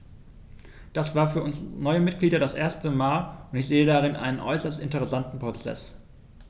Das war für uns neue Mitglieder das erste Mal, und ich sehe darin einen äußerst interessanten Prozess.